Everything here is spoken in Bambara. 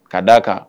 Ka d' aa kan